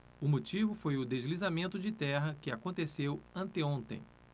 o motivo foi o deslizamento de terra que aconteceu anteontem